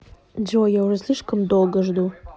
джой я уже слишком долго жду